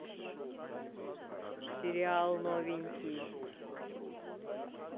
сериал новенький